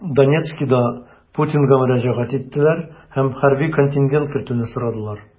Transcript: Донецкида Путинга мөрәҗәгать иттеләр һәм хәрби контингент кертүне сорадылар.